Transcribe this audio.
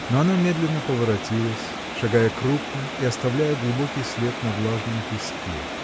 Но она медленно поворотилась, шагая крупно и оставляя глубокий след на влажном песке.